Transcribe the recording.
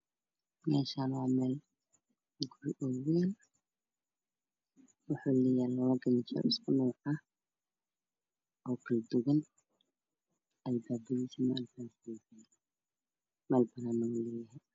Meshaan waa meel dukaan oo ween waxa Suran dhar noocya kala dupan meel panan wey yalaan